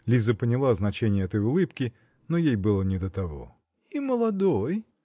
Лиза поняла значение этой улыбки; но ей было не до того. -- И молодой?